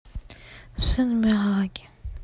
сын miyagi